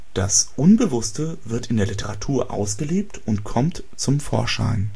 Das Unbewusste wird in der Literatur ausgelebt und kommt zum Vorschein